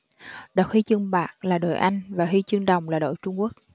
đoạt huy chương bạc là đội anh và huy chương đồng là đội trung quốc